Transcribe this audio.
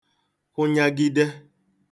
kwụnyagide